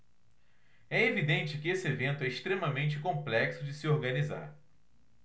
é evidente que este evento é extremamente complexo de se organizar